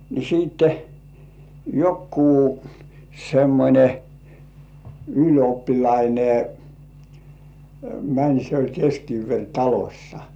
niin sitten joku semmoinen ylioppilas meni se oli kestikievaritalossa